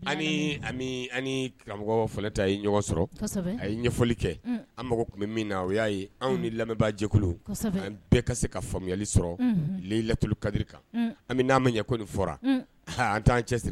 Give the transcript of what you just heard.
Karamɔgɔta ye ɲɔgɔn sɔrɔ a ye ɲɛfɔli kɛ an mago tun bɛ min na o y'a ye anw ni lamɛnbaajɛkulu an bɛɛ ka se ka faamuyayali sɔrɔ le lattuli kadiri kan an bɛ n'an ma ɲɛkoni fɔra an tan cɛ siri